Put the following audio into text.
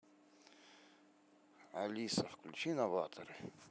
алиса включи новаторы